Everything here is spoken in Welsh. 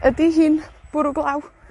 Ydi hi'n bwrw glaw?